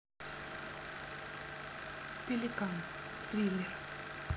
пеликан триллер